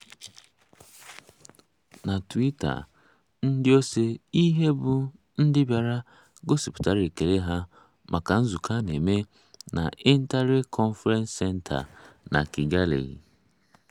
Na Twitter, ndị ose ihe bụ ndị bịara gosipụtara ekele ha maka nzukọ a na-eme na Intare conference center na Kigali: